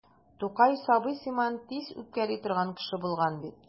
Тукай сабый сыман тиз үпкәли торган кеше булган бит.